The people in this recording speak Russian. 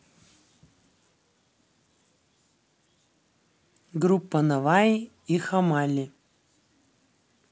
группа наваи и hammali